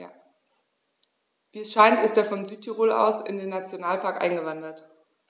Wie es scheint, ist er von Südtirol aus in den Nationalpark eingewandert.